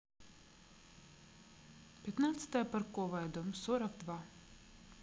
пятнадцатая парковая дом сорок два